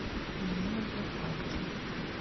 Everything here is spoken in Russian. мне нужны факты